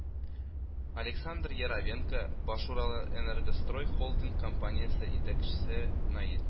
Александр Яровенко, Башуралэнергострой холдинг компаниясе итәкчесе Наил